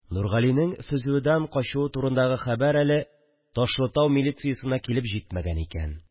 Нургалинең ФЗОдан качуы турындагы хәбәр әле Ташлытау милициясенә килеп җитмәгән икән